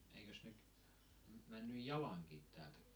eikös ne mennyt jalankin täältä